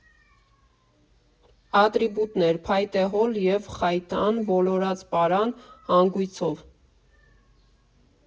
Ատրիբուտներ՝ փայտե հոլ և խայտան՝ ոլորած պարան հանգույցով։